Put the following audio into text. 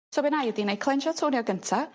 So be 'nai ydi 'nai clensio a tonio gynta